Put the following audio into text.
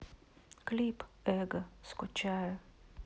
клип эго скучаю